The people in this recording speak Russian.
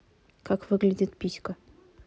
как выглядит писька